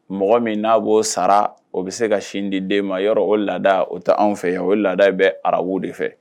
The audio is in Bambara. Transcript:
Mɔgɔ min n'a b'o sara o bɛ se ka sin di den ma yɔrɔ o laada o tɛ anw fɛ yan o laada bɛ arabuw de fɛ